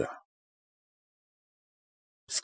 Վրա։